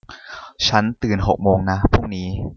ฉันตื่นหกโมงนะพรุ่งนี้